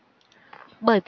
bởi